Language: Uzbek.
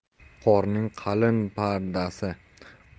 qorning qalin pardasi